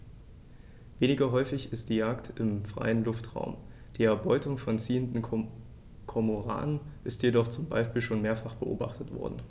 Weniger häufig ist die Jagd im freien Luftraum; die Erbeutung von ziehenden Kormoranen ist jedoch zum Beispiel schon mehrfach beobachtet worden.